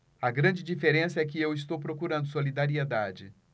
a grande diferença é que eu estou procurando solidariedade